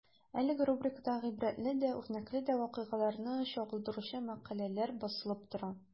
Әлеге рубрикада гыйбрәтле дә, үрнәкле дә вакыйгаларны чагылдыручы мәкаләләр басылып тора.